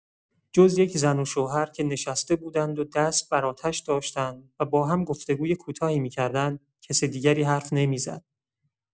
جز یک زن و شوهر که نشسته بودند و دست بر آتش داشتند و باهم گفت‌وگوی کوتاهی می‌کردند، کس دیگری حرف نمی‌زد.